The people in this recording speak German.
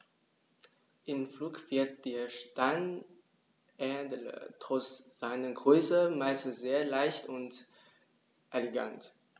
Im Flug wirkt der Steinadler trotz seiner Größe meist sehr leicht und elegant.